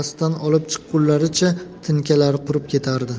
suvni pastdan olib chiqqunlaricha tinkalari qurib ketardi